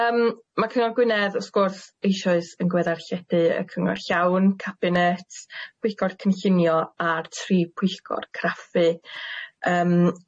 Yym ma' Cyngor Gwynedd wrth gwrs eishoes yn gweddarlledu y cyngor llawn, cabinet, pwyllgor cynllunio a'r tri pwyllgor craffu yym